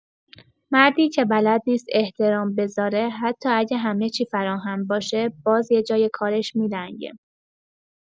مردی که بلد نیست احترام بذاره، حتی اگه همه چی فراهم باشه، باز یه جای کارش می‌لنگه.